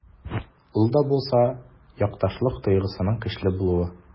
Ул да булса— якташлык тойгысының көчле булуы.